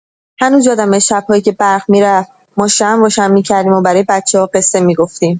هنوز یادمه شب‌هایی که برق می‌رفت، ما شمع روشن می‌کردیم و من برای بچه‌ها قصه می‌گفتم.